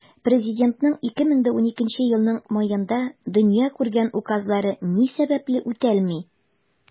Президентның 2012 елның маенда дөнья күргән указлары ни сәбәпле үтәлми?